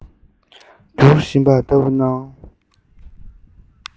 འགྱུར བཞིན པ ལྟ བུར སྣང